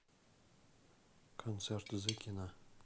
концерт зыкина